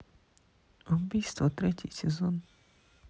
убийство третий сезон